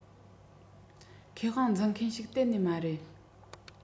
ཁེ དབང འཛིན མཁན ཞིག གཏན ནས མ རེད